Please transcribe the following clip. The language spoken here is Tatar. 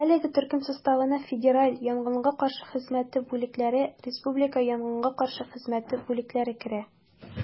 Әлеге төркем составына федераль янгынга каршы хезмәте бүлекләре, республика янгынга каршы хезмәте бүлекләре керә.